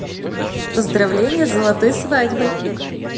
поздравления с золотой свадьбой